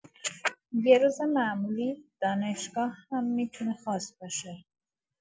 یه روز معمولی دانشگاه هم می‌تونه خاص باشه